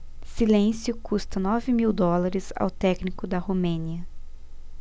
silêncio custa nove mil dólares ao técnico da romênia